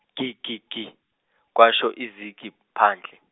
gi gi gi, kwasho izigi phandle.